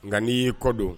Nka n' y'i kɔdon